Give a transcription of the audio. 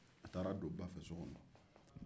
a taara don ba ka so kɔnɔ